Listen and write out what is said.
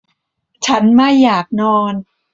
ฉันไม่อยากนอน